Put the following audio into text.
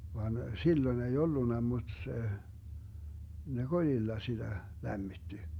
vaan silloin ei ollut mutta se ne kolilla sitä lämmitti